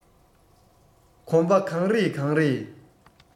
གོམ པ གང རེ གང རེས